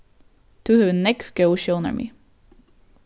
tú hevur nógv góð sjónarmið